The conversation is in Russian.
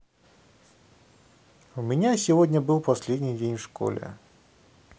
у меня было сегодня последний день в школе